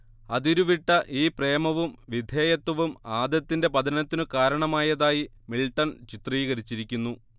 അതിരുവിട്ട ഈ പ്രേമവും വിധേയത്വവും ആദത്തിന്റെ പതനത്തിനു കാരണമായതായി മിൽട്ടൺ ചിത്രീകരിച്ചിരിക്കുന്നു